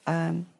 Yym.